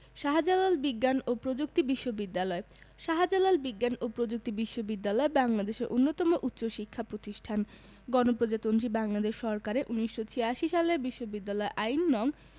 শাহ্জালাল বিজ্ঞান ও প্রযুক্তি বিশ্ববিদ্যালয় শাহ্জালাল বিজ্ঞান ও প্রযুক্তি বিশ্ববিদ্যালয় বাংলাদেশের অন্যতম উচ্চশিক্ষা প্রতিষ্ঠান গণপ্রজাতন্ত্রী বাংলাদেশ সরকারের ১৯৮৬ সালের বিশ্ববিদ্যালয় আইন নং